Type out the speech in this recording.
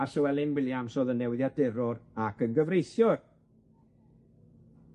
a Llewelyn Williams o'dd yn newyddiadurwr ac yn gyfreithiwr.